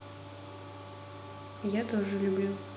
я тоже люблю